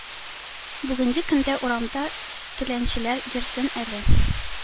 Бүгенге көндә урамда теләнчеләр йөрсен әле...